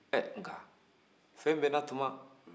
ɛh nka fɛn bɛɛ n'a tuma